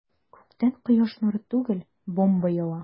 Күктән кояш нуры түгел, бомба ява.